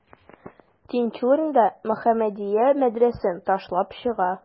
Тинчурин да «Мөхәммәдия» мәдрәсәсен ташлап чыга.